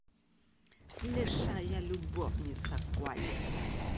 лишая любовница коли